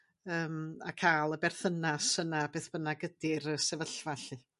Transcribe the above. Yym a ca'l y berthynas yna beth bynnag ydi'r y sefyllfa lly.